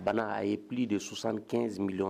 Bana a ye pli de susan kɛnsindɔn